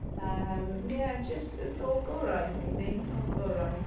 Yym ie, jyst o'r gorau rili o'r gorau.